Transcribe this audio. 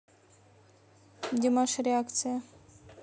димаш реакция